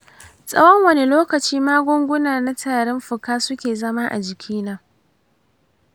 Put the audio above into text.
tsawon wane lokaci magunguna na tarin fuka suke zama a jikina?